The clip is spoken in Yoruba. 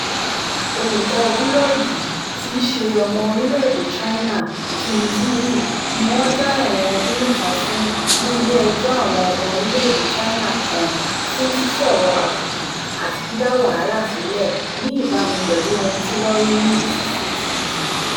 Olùkọ búlọ́ọ́gì tí í ṣe ọmọ Orílẹ̀-èdè China Qin Zhihui ni wọ́n dá ẹ̀wọ̀n ọdún mẹ́ta fún ní ilé ẹjọ́ àwọn ọmọ Orílẹ̀-èdè China kan fún "sísọ̀rọ̀ àbùkù" àti "dídá wàhálà sílẹ̀," ní ìbámu pẹ̀lú ohun tí wọ́n rí ní CCTV.